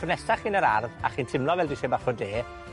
tro nesa chi yn yr ardd, a chi'n timlo fel disgled bach o de,